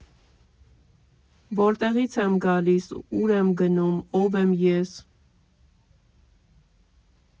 Որտեղի՞ց եմ գալիս, ու՞ր եմ գնում, ո՞վ եմ ես։